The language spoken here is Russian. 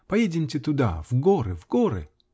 Пойдемте туда, в горы, в горы!